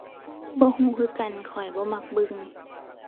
บ่รู้คือกัน ข้อยบ่มักเบิ่ง